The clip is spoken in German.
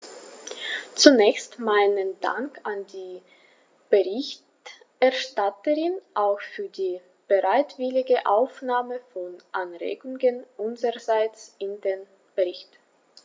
Zunächst meinen Dank an die Berichterstatterin, auch für die bereitwillige Aufnahme von Anregungen unsererseits in den Bericht.